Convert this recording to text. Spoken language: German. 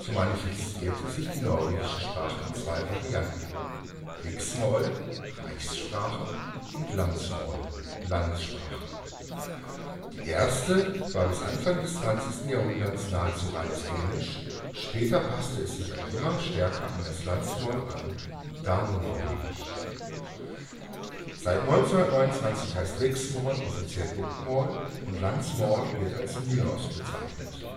manifestierte sich die norwegische Sprache in zwei Varietäten: Riksmål (" Reichssprache ") Landsmål (" Landessprache "). Die Erste war bis Anfang des 20. Jahrhunderts nahezu reines Dänisch, später passte es sich aber immer stärker an das Landsmål an (dano-norwegisch). Seit 1929 heißt Riksmål offiziell Bokmål und Landsmål wird als Nynorsk bezeichnet